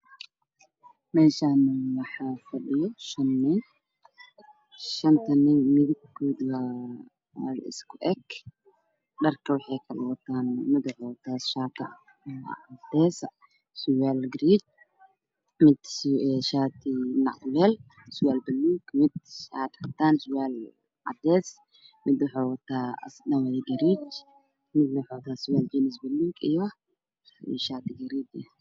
Meeshan waxaa fadhiyo shan nin, shanta nin midabkoodu wa isku eg, dharku waxay kala wata, mid wuxuu wataa shaati cadeys, surwaal giriij, mid shaati nacrel surwaal buluug mid shaati cadaan surwaal cadeys mid wuxuu wataa asaga dhan wada giriij mid wuxuu wataa surwaal jeemis buluug iyo shaati giriij ah